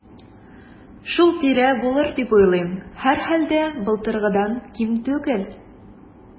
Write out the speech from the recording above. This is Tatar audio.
Шул тирә булыр дип уйлыйм, һәрхәлдә, былтыргыдан ким түгел.